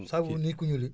saabu nit ku ñuul yi